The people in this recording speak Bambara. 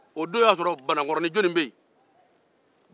o don y'a sɔrɔ jɔnni be banankɔrɔnin